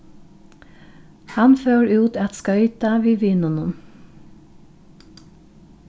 hann fór út at skoyta við vinunum